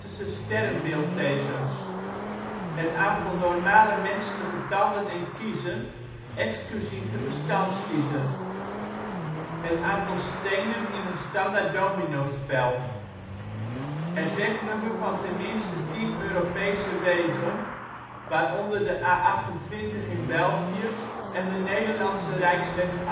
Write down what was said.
sterrenbeeldtekens. Het aantal normale menselijke tanden en kiezen, exclusief de verstandskiezen. Het aantal stenen in een standaard dominospel. Het wegnummer van tenminste tien Europese wegen (zie A28), waaronder A28 (België) en de Nederlandse Rijksweg